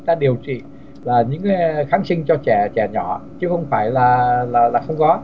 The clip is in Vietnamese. ta điều trị kháng sinh cho trẻ trẻ nhỏ chứ không phải là là là không có